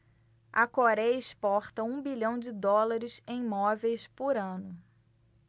a coréia exporta um bilhão de dólares em móveis por ano